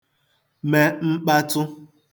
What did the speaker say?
me mkpatụ